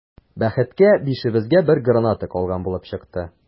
Бәхеткә, бишебезгә бер граната калган булып чыкты.